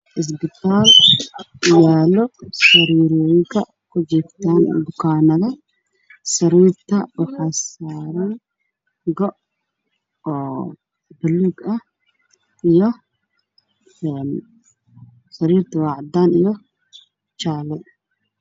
Waa isbitaal waxaa yaalo sariirooyin ku jiiftaan bukaanada, sariirta waxaa saaran go' oo buluug ah, sariirta waa cadaan iyo jaale.